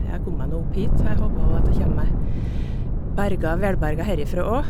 Ja, jeg kom meg nå opp hit, så jeg håper jo at jeg kjem meg berga velberga herifra òg.